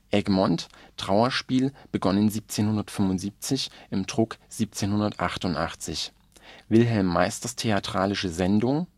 Egmont (Trauerspiel, begonnen 1775, im Druck 1788) Wilhelm Meisters theatralische Sendung